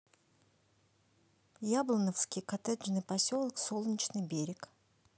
яблоновский коттеджный поселок солнечный берег